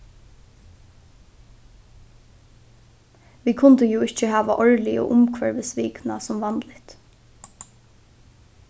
vit kundu jú ikki hava árligu umhvørvisvikuna sum vanligt